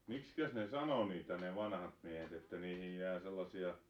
miksi ne sanoi niitä ne vanhat miehet että niihin jää sellaisia